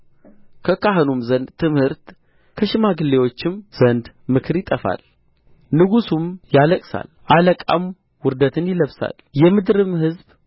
ከካህኑም ዘንድ ትምህርት ከሽማግሌዎችም ዘንድ ምክር ይጠፋል ንጉሡም ያለቅሳል አለቃም ውርደትን ይለብሳል የምድርም ሕዝብ